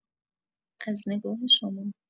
از نگاه شما